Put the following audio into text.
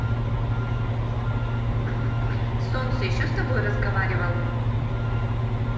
солнце еще с тобой разговаривал